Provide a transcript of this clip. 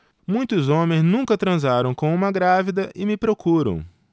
muitos homens nunca transaram com uma grávida e me procuram